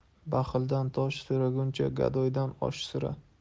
baxildan tosh so'raguncha gadoydan osh so'ra